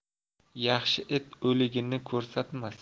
yaxshi it o'ligini ko'rsatmas